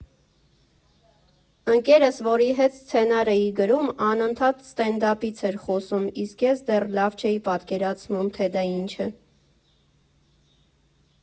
Ընկերս, որի հետ սցենար էի գրում, անընդհատ սթենդափից էր խոսում, իսկ ես դեռ լավ չէի պատկերացնում, թե դա ինչ է։